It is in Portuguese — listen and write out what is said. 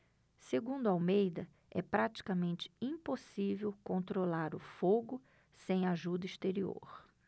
segundo almeida é praticamente impossível controlar o fogo sem ajuda exterior